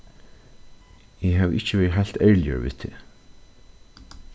eg havi ikki verið heilt ærligur við teg